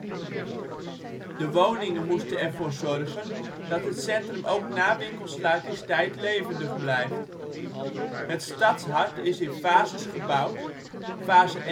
De woningen moeten er voor zorgen dat het centrum ook na winkelsluitingstijd levendig blijft. Het Stadshart is in fases gebouwd. Fase